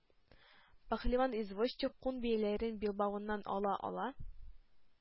Пәһлеван извозчик күн бияләйләрен билбавыннан ала-ала: